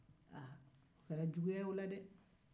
aa a kɛra juguya ye o la dɛɛ